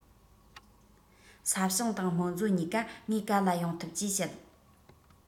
ས ཞིང དང རྨོན མཛོ གཉིས ཀ ངས ག ལ ཡོང ཐུབ ཅེས བཤད